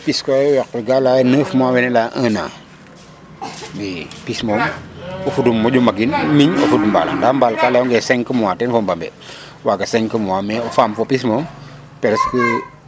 Pis koy yoq we ga layaa ye 9 mois wene laya 1 ans i pis moom o fudum moƴu maagin miñ, o fud mbaal ande mbaal ka lay ebe 5 mois den fo mbambe waaga 5 mois mais o faam fo pis moom presque